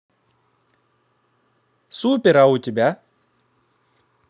супер а у тебя